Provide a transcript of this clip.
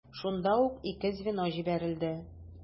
Шунда ук ике звено җибәрелде.